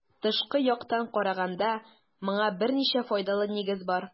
Тышкы яктан караганда моңа берничә файдалы нигез бар.